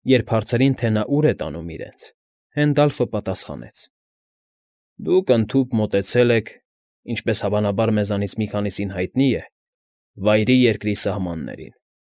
Երբ հարցրին, թե նա ուր է տանում իրենց, Հենդալֆը պատասխանեց. ֊ Դուք ընդհուպ մոտեցել եք, ինչպես հավանաբար մեզանից մի քանիսին հայտնի է, Վայրի Երկրի սահմաններին։